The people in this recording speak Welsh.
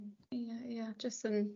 Hmm. Ia ia jyst yn